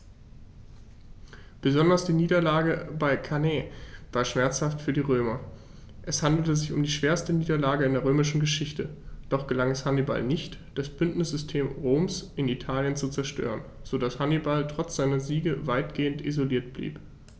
Besonders die Niederlage bei Cannae war schmerzhaft für die Römer: Es handelte sich um die schwerste Niederlage in der römischen Geschichte, doch gelang es Hannibal nicht, das Bündnissystem Roms in Italien zu zerstören, sodass Hannibal trotz seiner Siege weitgehend isoliert blieb.